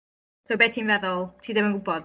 So beth ti'n feddwl? Ti ddim yn gw'bod?